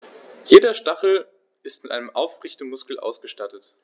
Jeder Stachel ist mit einem Aufrichtemuskel ausgestattet.